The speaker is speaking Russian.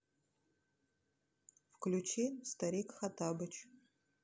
включи старик хоттабыч